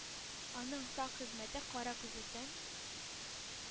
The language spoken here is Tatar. Аның сак хезмәте кара күзлектән,